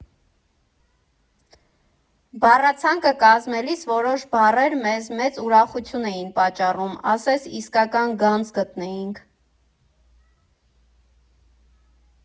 Բառացանկը կազմելիս, որոշ բառեր մեզ մեծ ուրախություն էին պատճառում, ասես՝ իսկական գանձ գտնեիք։